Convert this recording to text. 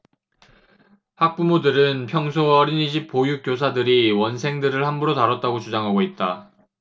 학부모들은 평소 어린이집 보육교사들이 원생들을 함부로 다뤘다고 주장하고 있다